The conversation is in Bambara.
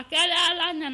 Kɛlen ala nana